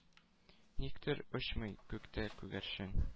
Никтер очмый күктә күгәрчен,